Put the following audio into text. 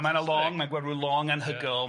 A mae'n a long mae'n gweld ryw long anhygoel,